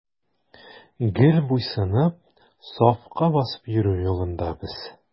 Гел буйсынып, сафка басып йөрү юлында без.